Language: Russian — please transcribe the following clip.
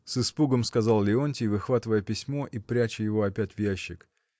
— с испугом сказал Леонтий, выхватывая письмо и пряча его опять в ящик.